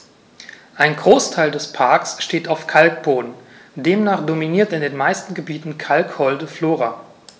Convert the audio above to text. Ein Großteil des Parks steht auf Kalkboden, demnach dominiert in den meisten Gebieten kalkholde Flora.